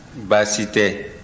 baasi tɛ